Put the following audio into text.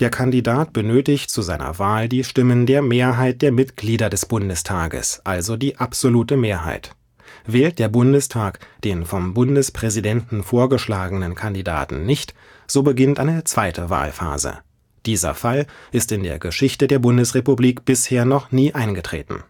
Kandidat benötigt zu seiner Wahl die Stimmen der Mehrheit der Mitglieder des Bundestages, also die absolute Mehrheit. Wählt der Bundestag den vom Bundespräsidenten vorgeschlagenen Kandidaten nicht, so beginnt eine zweite Wahlphase. Dieser Fall ist in der Geschichte der Bundesrepublik bisher noch nie eingetreten